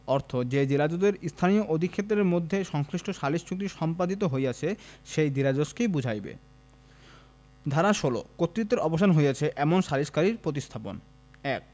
অর্থ যে জেলাজজের স্থানীয় অধিক্ষেত্রের মধ্যে সংশ্লিষ্ট সালিস চুক্তি সম্পাদিত হইয়াছে সেই জেলাজজকে বুঝাইবে ধারা ১৬ কর্তৃত্বের অবসান হইয়াছে এমন সালিসকারীর প্রতিস্থাপন ১